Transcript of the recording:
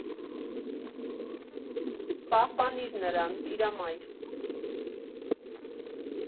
Պահպանիր նրան, Տիրամայր։